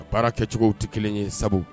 Baara kɛcogow tɛ kelen ye sabu